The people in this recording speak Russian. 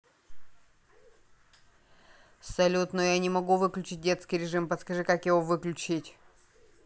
салют но я не могу выключить детский режим подскажи как его выключить